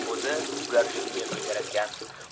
tabiatning o'zi ularni shunday qilib yaratgan